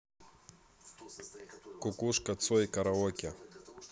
кукушка цой караоке